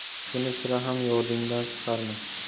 buni sira ham yodingdan chiqarma